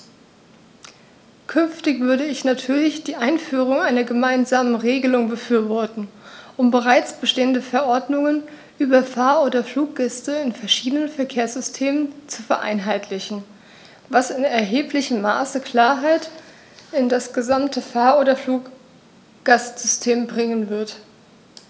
Künftig würde ich natürlich die Einführung einer gemeinsamen Regelung befürworten, um bereits bestehende Verordnungen über Fahr- oder Fluggäste in verschiedenen Verkehrssystemen zu vereinheitlichen, was in erheblichem Maße Klarheit in das gesamte Fahr- oder Fluggastsystem bringen wird.